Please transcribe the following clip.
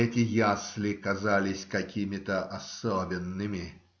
Эти ясли казались какими-то особенными.